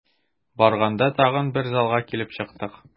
Барганда тагын бер залга килеп чыктык.